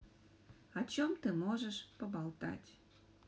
о чем ты можешь поболтать